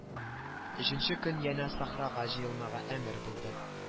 Өченче көн янә сахрага җыелмага әмер булды